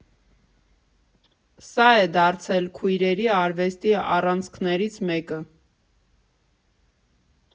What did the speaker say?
Սա է դարձել քույրերի արվեստի առանցքներից մեկը։